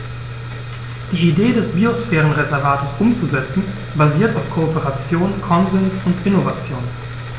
Die Idee des Biosphärenreservates umzusetzen, basiert auf Kooperation, Konsens und Innovation.